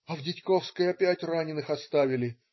"А в Дядьковской опять раненых оставили.